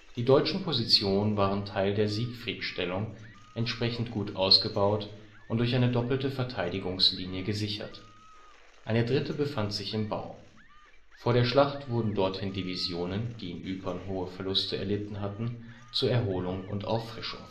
Die deutschen Positionen waren Teil der Siegfriedstellung, entsprechend gut ausgebaut und durch eine doppelte Verteidigungslinie gesichert. Eine dritte befand sich im Bau. Vor der Schlacht wurden dorthin Divisionen, die in Ypern hohe Verluste erlitten hatten, zur Erholung und Auffrischung